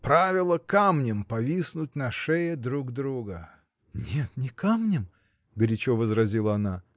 Правило — камнем повиснуть на шее друг друга. — Нет, не камнем! — горячо возразила она.